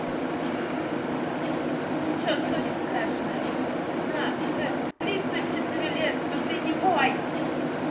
ты че сучка крашеная на т тридцать четыре лет последний бой